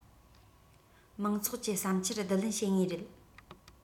མང ཚོགས ཀྱི བསམ འཆར བསྡུ ལེན བྱེད ངེས རེད